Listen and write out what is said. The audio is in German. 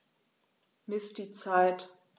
Miss die Zeit.